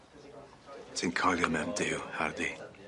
Ti'n coelio mewn Duw Hardy?